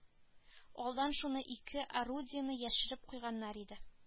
Алдан шунда ике орудиене яшереп куйганнар иде